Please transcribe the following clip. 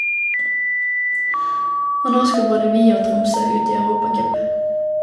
Og nå skal både vi og Tromsø ut i europacup.